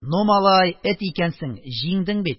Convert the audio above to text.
Ну, малай, эт икәнсең, җиңдең бит,